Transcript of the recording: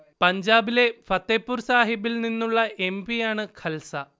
പഞ്ചാബിലെ ഫത്തേപൂർ സാഹിബിൽ നിന്നുള്ള എം. പി. യാണ് ഖൽസ